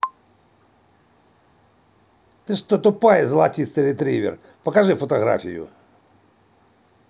ты что тупая золотистый ретривер покажи фотографию